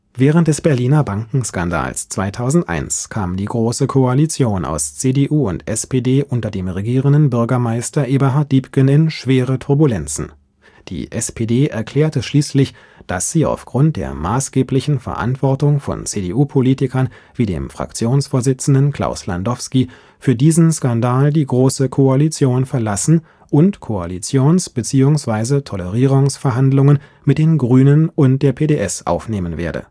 Während des Berliner Bankenskandals 2001 kam die Große Koalition aus CDU und SPD unter dem Regierenden Bürgermeister Eberhard Diepgen in schwere Turbulenzen. Die SPD erklärte schließlich, dass sie aufgrund der maßgeblichen Verantwortung von CDU-Politikern wie dem Fraktionsvorsitzenden Klaus Landowsky für diesen Skandal die Große Koalition verlassen und Koalitions - bzw. Tolerierungsverhandlungen mit den Grünen und der PDS aufnehmen werde